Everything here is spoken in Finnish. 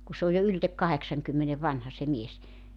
kun se on jo ylitse kahdeksankymmenen vanha se mies